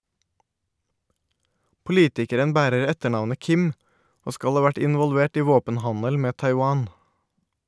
Politikeren bærer etternavnet Kim, og skal ha vært involvert i våpenhandel med Taiwan.